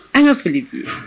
An ka foli bi ye.